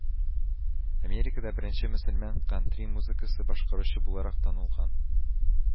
Америкада беренче мөселман кантри музыкасын башкаручы буларак танылган